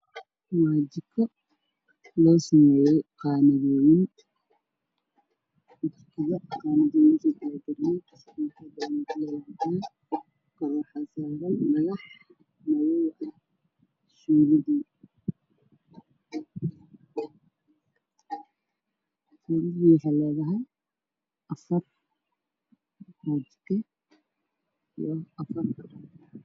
Waxaa ii muuqday jike ayaalaan ku karo wax lagu qarsado kor waxay leedahay jikada qaanado hoos waa mutree cadaana qaamadaha midabkoodu waa dambas een kuukarkana waa madow